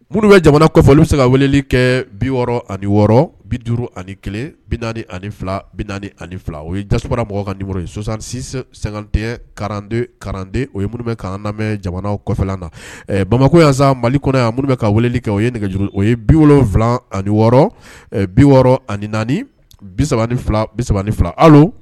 Minnu bɛ jamana kɔfɛli se ka wele kɛ bi wɔɔrɔ ani wɔɔrɔ bi duuru ani kelen bi naani ani bi naani ani fila o ye ja mɔgɔ kan sɔsansi sante ka kate o ye minnu lamɛn jamanafɛ na ɛ bamakɔ yansa mali kɔnɔ yan minnu bɛ ka weele kɛ o ye nɛgɛj o ye bi wolonwula ani wɔɔrɔ bi wɔɔrɔ ani naani bisa bisa ni fila